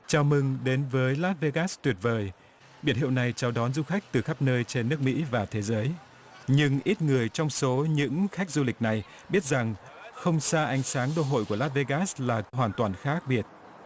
chào mừng đến với lát vê gát tuyệt vời biển hiệu này chào đón du khách từ khắp nơi trên nước mỹ và thế giới nhưng ít người trong số những khách du lịch này biết rằng không xa ánh sáng đô hội của lát vê gát là hoàn toàn khác biệt